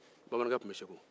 bamanankɛ tun bɛ segu